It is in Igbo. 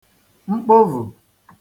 mkpovù